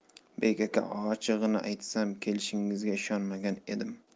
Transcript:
bek aka ochig'ini aytsam kelishingizga ishonmagan edim